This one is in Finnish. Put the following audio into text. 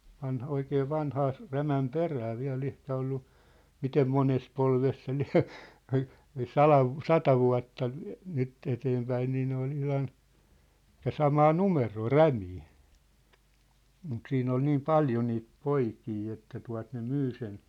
vanhoja vanhaa - Rämän perää vielä ehkä ollut miten monessa polvessa se lie ai ai sadan - sata vuotta nyt eteenpäin niin ne oli ihan että samaa numeroa Rämiä mutta siinä oli niin paljon niitä poikia että tuota ne myi sen